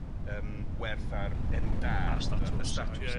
yym werth ar enw da. Ar y statws. Y statws. Ia.